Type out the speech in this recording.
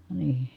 niin